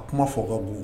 A kuma fɔ ka'